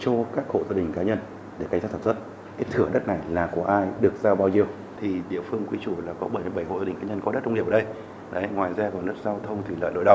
cho các hộ gia đình cá nhân để canh tác sản xuất cái thửa đất này là của ai được giao bao nhiêu thì địa phương quy chủ là có bảy mươi bảy hộ gia đình cá nhân có đất nông nghiệp ở đây đấy ngoài ra còn đất giao thông thủy lợi nội đồng